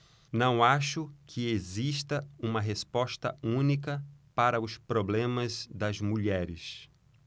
não acho que exista uma resposta única para os problemas das mulheres